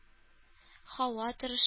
Һава торышы